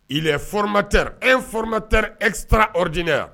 Fmatɛ e fma taara e taara odinɛ yan